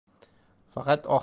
faqat ohangi har